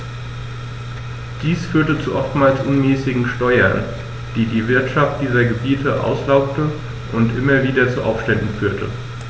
Dies führte zu oftmals unmäßigen Steuern, die die Wirtschaft dieser Gebiete auslaugte und immer wieder zu Aufständen führte.